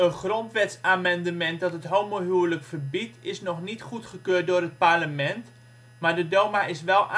grondwetsamendement dat het homohuwelijk is nog niet goedgekeurd door het parlement, maar de DOMA is wel